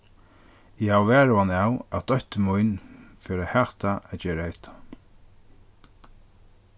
eg havi varhugan av at dóttir mín fer at hata at gera hetta